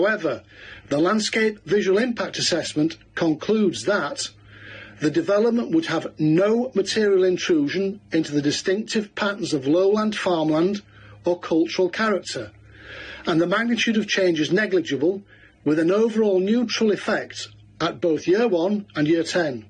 However, the Landscape Visual Impact Assessment concludes that the development would have no material intrusion into the distinctive patterns of lowland farmland or cultural character, and the magnitude of change is negligible, with an overall neutral effect at both year one and year ten.